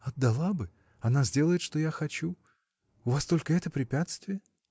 — Отдала бы: она сделает, что я хочу. У вас только это препятствие?